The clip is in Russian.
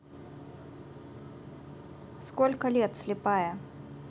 сколько лет слепая